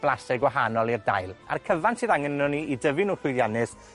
blase gwahanol i'r dail. A'r cyfan sydd angen anon ni i dyfu nw llwyddiannus